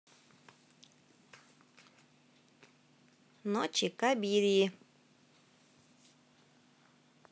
ночи кабирии